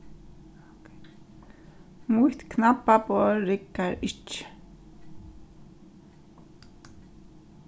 mítt knappaborð riggar ikki